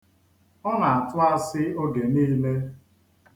Ọ na-atụ asị oge niile.